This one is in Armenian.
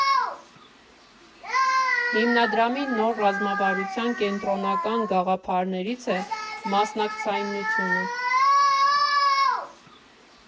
Հիմնադրամի նոր ռազմավարության կենտրոնական գաղափարներից է մասնակցայնությունը։